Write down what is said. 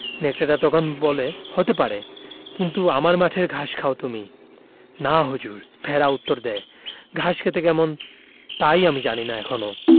নেকড়েটা তখন বলে হতে পারে কিন্তু আমার মাঠের ঘাস খাও তুমি না হুজুর ভেড়া উত্তর দ্যায় ঘাস খেতে কেমন তাই আমি জানি না এখনো